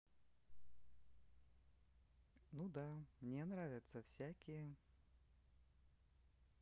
ну да мне нравятся всякие